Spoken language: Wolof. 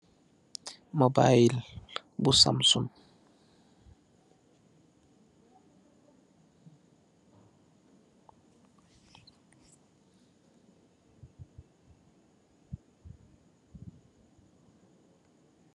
Mobile, bu Samsung.